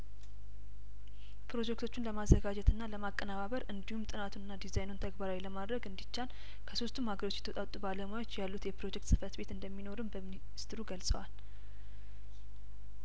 ፕሮጀክቶቹን ለማዘጋጀትና ለማቀነባበር እንዲሁም ጥናቱንና ዲዛይኑን ተግባራዊ ለማድረግ እንዲቻል ከሶስቱም ሀገሮች የተውጣጡ ባለሙያዎች ያሉት የፕሮጀክት ጽፈት ቤት እንደሚኖርም በሚኒስትሩ ገልጸዋል